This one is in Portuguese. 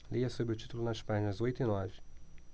leia sobre o título nas páginas oito e nove